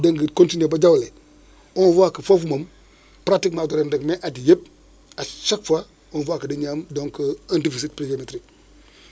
dégg nga continué ba Diaolé on voit que foofu moom pratiquement du ren rek mais at yii yëpp à cahque fois on voit que dañuy am donc un déficit pluviométrique